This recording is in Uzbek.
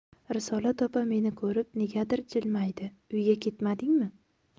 risolat opa meni ko'rib negadir jilmaydi uyga ketmadingmi